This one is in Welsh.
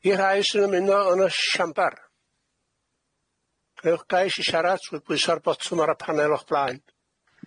I'r rhai sy'n ymuno yn y siambar, gnewch gais i siarad trwy bwyso'r botwm ar y panel o'ch blaen.